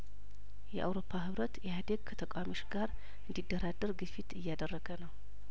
የአውሮፓ ህብረት ኢህአዴግ ከተቃዋሚዎች ጋራ እንዲ ደራደር ግፊት እያደረገ ነው